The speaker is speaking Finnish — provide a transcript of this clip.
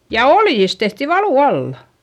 ja oljista tehtiin valu alla